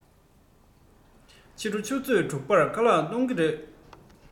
ཕྱི དྲོ ཆུ ཚོད དྲུག པར ཁ ལག གཏོང གི རེད